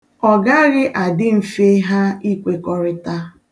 Ọ gaghị adị mfe ha ikwekọrịta.